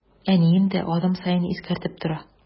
Әнием дә адым саен искәртеп тора.